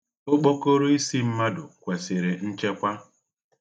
Okpokoroisi mmadụ kwesịrị nchekwa.